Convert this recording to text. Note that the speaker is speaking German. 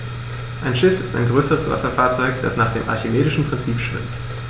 Ein Schiff ist ein größeres Wasserfahrzeug, das nach dem archimedischen Prinzip schwimmt.